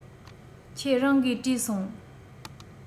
ཁྱེད རང གིས དྲིས སོང